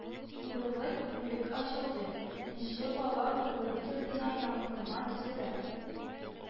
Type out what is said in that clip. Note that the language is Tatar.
Урынлык бүлек ачылды, нче бала тудыру йортына янкорма төзелә